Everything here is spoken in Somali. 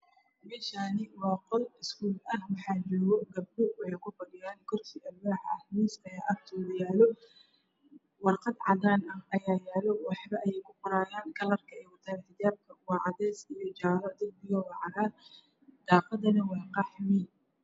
Me Shani wa qol is kul ah waxa jogo geb dho waxe ku fa dhi Yan kursi al wax ah miis aya ag to du yalo war qad cadan aya yaalo wax ba ayey ku qo raayan kalar ka ey watan xijaab ka wa cades iya jaala dar bigana wa cagaar da qa Dana wa qaxwi